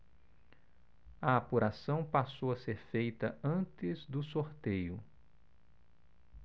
a apuração passou a ser feita antes do sorteio